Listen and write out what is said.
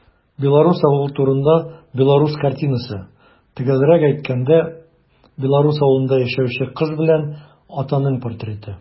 Белорус авылы турында белорус картинасы - төгәлрәк әйткәндә, белорус авылында яшәүче кыз белән атаның портреты.